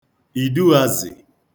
iduuazị